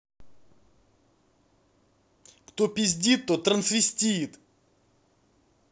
кто пиздит тот трансвестит